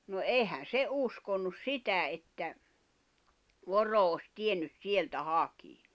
no eihän se uskonut sitä että voro olisi tiennyt sieltä hakea